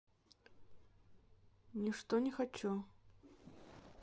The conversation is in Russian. ничто не хочу